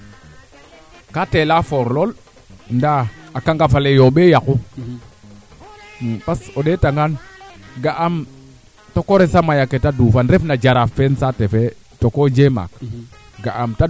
axa kay a paaxa paax ñoko ñala a paax Djiby o saaxo laaga a tax'a sax im leyan feede faak me fat wiiw we mbiya o ndang ga'a o naanga nan gilwaa soit